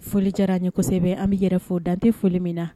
Foli jara ye kosɛbɛ an bɛ yɛrɛ fɔ dante foli min na